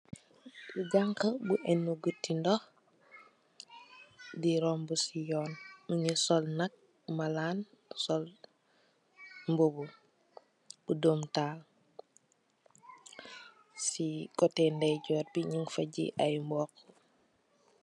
Jaxa bu enuu boty ndux, di runba ci yoon. Mungi sol nak malan, sol mbuba bu ndomi tal , ci cutteh ndeyjurr nuu fa gi mbooxa.